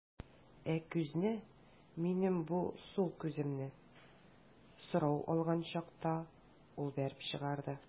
Ә күзне, минем бу сул күземне, сорау алган чакта ул бәреп чыгарды.